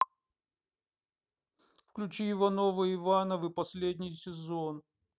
включи ивановы ивановы последний сезон